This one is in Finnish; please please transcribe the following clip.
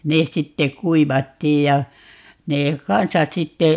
ne sitten kuivattiin ja ne kanssa sitten